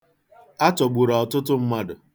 A tọgburu ọtụtụ mmadụ.